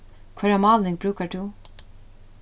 hvørja máling brúkar tú